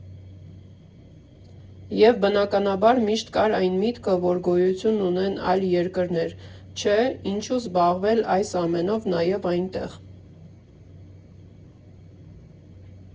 Եվ, բնականաբար, միշտ կար այն միտքը, որ գոյություն ունեն այլ երկրներ, չէ, ինչու՞ չզբաղվել այս ամենով նաև այնտեղ։